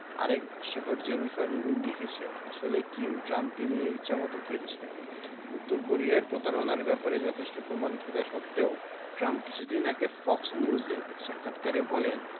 আরেক ভাষ্যকার Jennifer Rubin লিখেছেন আসলে কিম ট্রাম্পকে নিয়ে ইচ্ছেমতো খেলছেন উত্তর কোরিয়ার প্রতারণার ব্যাপারে যথেষ্ট প্রমাণ থাকা সত্ত্বেও ট্রাম্প কিছুদিন আগে ফক্স নিউজে এক সাক্ষাৎকারে বলেন